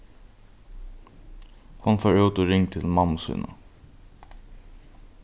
hon fór út og ringdi til mammu sína